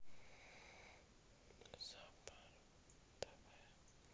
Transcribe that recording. зоопарк тв